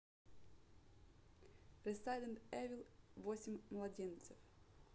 resident evil восемь младенец